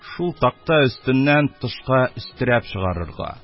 Шул такта өстеннән тышка өстерәп чыгарырга,